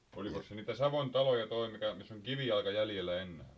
olikos se niitä Savon taloja tuo mikä missä on kivijalka jäljellä enää vai